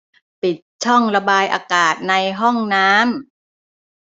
ปิดช่องระบายอากาศในห้องน้ำ